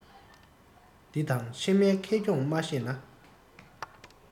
འདི དང ཕྱི མའི ཁེ གྱོང མ ཤེས ན